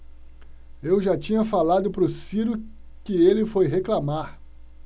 eu já tinha falado pro ciro que ele foi reclamar